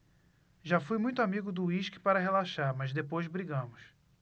já fui muito amigo do uísque para relaxar mas depois brigamos